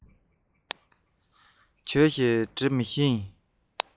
ཁྱེད རང གིས འབྲི ཤེས ཀྱི མེད པས